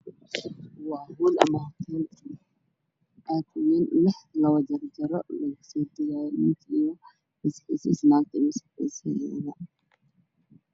Waa hool cadaan waxaa yaalo kuraas cadaan miisaas cadaan dhulka way caddaan daraanjaro ayuu leeyahay hoolka waa dahabi